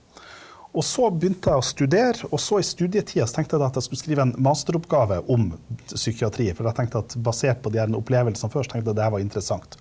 og så begynte jeg å studere, og så i studietida så tenkte jeg da at jeg skulle skrive en masteroppgave om psykiatri, for jeg tenkte at basert på de herre opplevelsene før så tenkte jeg det her var interessant.